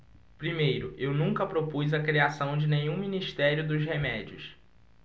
primeiro eu nunca propus a criação de nenhum ministério dos remédios